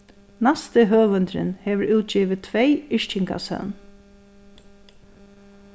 næsti høvundurin hevur útgivið tvey yrkingasøvn